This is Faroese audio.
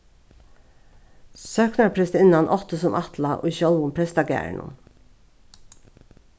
sóknarprestinnan átti sum ætlað í sjálvum prestagarðinum